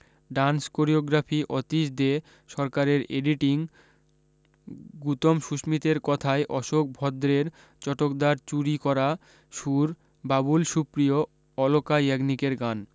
dance choreography Atish De সরকারের editing Gautam সুস্মিতের কথায় অশোক ভদ্রের চটকদারি চুরি করা সুর বাবুল সুপ্রিয় অলকা ইয়াগনিকের গান